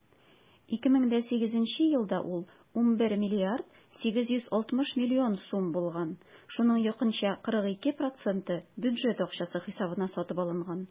2008 елда ул 11,86 млрд. сум булган, шуның якынча 42 % бюджет акчасы хисабына сатып алынган.